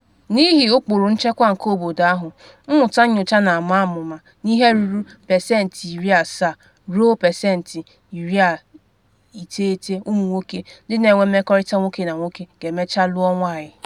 N’ihi ụkpụrụ nchekwa nke obodo ahụ, mmụta nyocha na-ama amụma n’ihe ruru 70-90% ụmụ nwoke ndị na-enwe mmekọrịta nwoke na nwoke ga-emecha lụọ nwanyị.